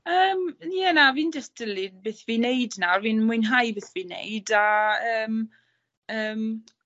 Yym ie na fi'n jyst dilyn beth fi'n neud nawr, fi'n mwynhau beth fi'n neud a yym yym